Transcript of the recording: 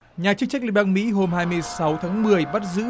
nhà chức trách liên bang mỹ hôm hai mươi sáu tháng mười bắt giữ